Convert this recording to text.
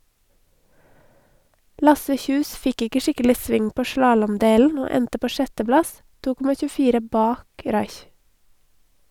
Lasse Kjus fikk ikke skikkelig sving på slalåmdelen, og endte på sjetteplass, 2,24 bak Raich.